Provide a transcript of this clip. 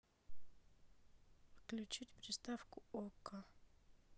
включить приставку окко